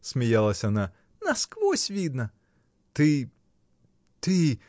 — смеялась она, — насквозь видно? — Ты. ты.